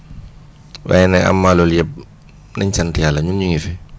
waaye nag amaa loolu yëpp nañ sant yàlla ñun ñu ngi fi